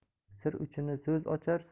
sir uchini so'z ochar